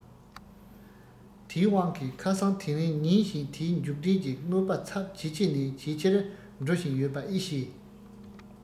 དེའི དབང གིས ཁ སང དེ རིང ཉིན བཞིན དེའི མཇུག འབྲས ཀྱི གནོད པ ཚབས ཇེ ཆེ ནས ཇེ ཆེར འགྲོ བཞིན ཡོད པ ཨེ ཤེས